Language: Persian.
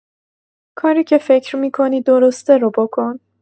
کاری که فکر می‌کنی درسته رو بکن